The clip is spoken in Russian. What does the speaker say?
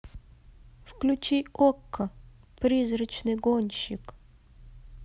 включи окко призрачный гонщик